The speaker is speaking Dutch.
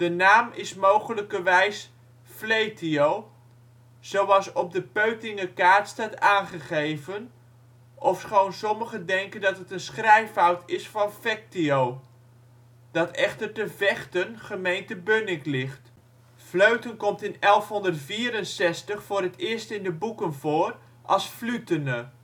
naam is mogelijkerwijs Fletio (ne) zoals op de Peutinger kaart staat aangegeven (ofschoon sommigen denken dat het een schrijffout is van Fectio, dat echter te Vechten, gemeente Bunnik, ligt). Vleuten komt in 1164 voor het eerst in de boeken voor als Flutene